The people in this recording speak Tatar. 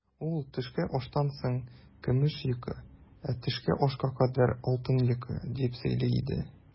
Ул, төшке аштан соң көмеш йокы, ә төшке ашка кадәр алтын йокы, дип сөйли иде.